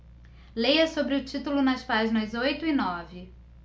leia sobre o título nas páginas oito e nove